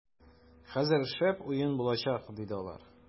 - хәзер шәп уен булачак, - диде алар.